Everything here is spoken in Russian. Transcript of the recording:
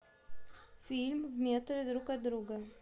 фильм в метре друг от друга